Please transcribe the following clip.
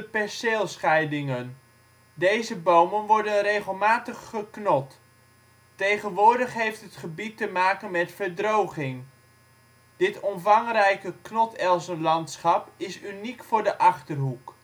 perceelscheidingen. Deze bomen worden regelmatig geknot. Tegenwoordig heeft het gebied te maken met verdroging. Dit omvangrijke knotelzenlandschap is uniek voor de Achterhoek